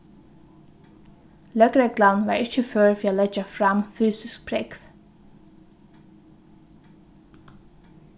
løgreglan var ikki før fyri at leggja fram fysisk prógv